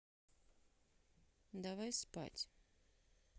давай спать